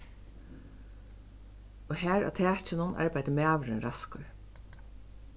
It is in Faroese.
og har á takinum arbeiddi maðurin raskur